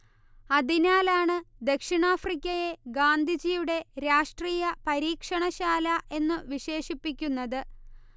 അതിനാലാണ് ദക്ഷിണാഫ്രിക്കയെ ഗാന്ധിജിയുടെ രാഷ്ട്രീയ പരീക്ഷണ ശാല എന്നു വിശേഷിപ്പിക്കുന്നത്